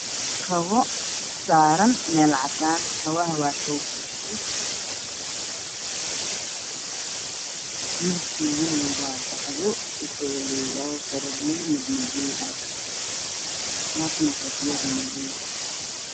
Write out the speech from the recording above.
Kabo saaran meel cadaan ah kabaha waa baa buud mideb koodu waa qaxwo